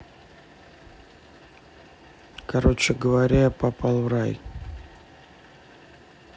короче говоря я попал в рай